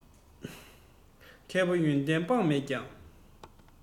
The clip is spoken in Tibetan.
མཁས པ ཡོན ཏན དཔག མེད ཀྱང